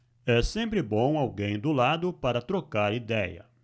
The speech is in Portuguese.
é sempre bom alguém do lado para trocar idéia